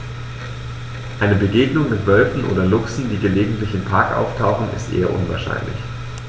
Eine Begegnung mit Wölfen oder Luchsen, die gelegentlich im Park auftauchen, ist eher unwahrscheinlich.